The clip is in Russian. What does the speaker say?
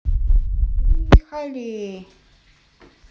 r'halli